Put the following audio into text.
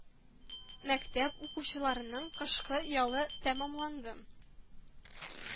Мәктәп укучыларының кышкы ялы тәмамланды